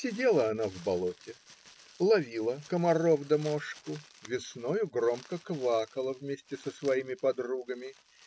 Сидела она в болоте, ловила комаров да мошку, весною громко квакала вместе со своими подругами.